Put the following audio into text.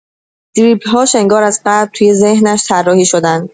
دریبل‌هاش انگار از قبل تو ذهنش طراحی شدن.